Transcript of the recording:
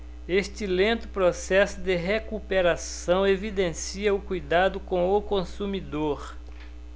este lento processo de recuperação evidencia o cuidado com o consumidor